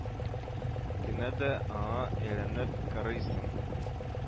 Генә дә аңа әйләнеп карыйсым